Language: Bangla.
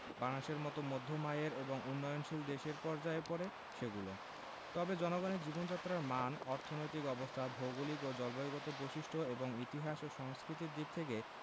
বাংলাদেশের মতো মধ্যম আয়ের এবং উন্নয়নশীল দেশের পর্যায়ে পড়ে সেগুলো তবে জনগণের জীবনযাত্রার মান অর্থনৈতিক অবস্থা ভৌগলিক ও জলবায়ুগত বৈশিষ্ট্য এবং ইতিহাস ও সংস্কৃতির দিক থেকে